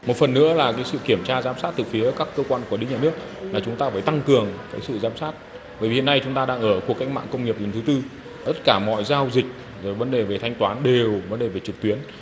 một phần nữa là cái sự kiểm tra giám sát từ phía các cơ quan quản lý nhà nước là chúng ta phải tăng cường sự giám sát bởi vì hiện nay chúng ta đang ở cuộc cách mạng công nghiệp lần thứ tư tất cả mọi giao dịch rồi vấn đề về thanh toán đều vấn đề về trực tuyến